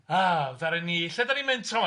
Ah ddaru ni... Lle 'dan ni'n mynd tro 'ma?